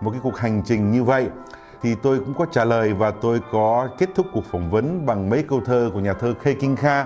một cái cuộc hành trình như vậy thì tôi cũng có trả lời và tôi có kết thúc cuộc phỏng vấn bằng mấy câu thơ của nhà thơ khê kinh kha